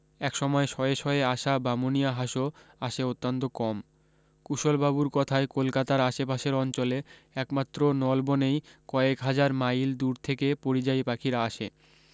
এক সময় শয়ে শয়ে আসা বামুনিয়া হাঁসও আসে অত্যন্ত কম কূশলবাবুর কথায় কলকাতার আশপাশের অঞ্চলে একমাত্র নলবনেই কয়েক হাজার মাইল দূর থেকে পরিযায়ী পাখিরা আসে